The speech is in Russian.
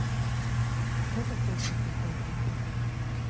кто такой крокодил гена